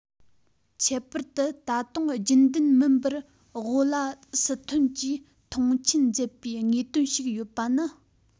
ཁྱད པར དུ ད དུང རྒྱུན ལྡན མིན པར ཝོ ལ སི ཐོན གྱིས མཐོང ཆེན མཛད པའི དངོས དོན ཞིག ཡོད པ ནི